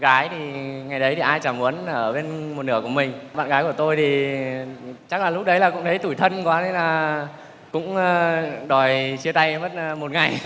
gái thì ngày đấy thì ai chả muốn ở bên một nửa của mình bạn gái của tôi thì chắc là lúc đấy là cũng thấy tủi thân quá nên là cũng đòi chia tay mất một ngày